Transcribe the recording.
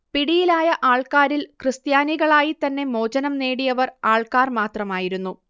പിടിയിലായ ആൾക്കാരിൽ ക്രിസ്ത്യാനികളായിത്തന്നെ മോചനം നേടിയവർ ആൾക്കാർ മാത്രമായിരുന്നു